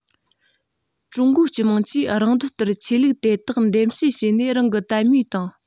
ཀྲུང གོའི སྤྱི དམངས ཀྱིས རང འདོད ལྟར ཆོས ལུགས དེ དག འདེམས གསེས བྱས ནས རང གི དད མོས དང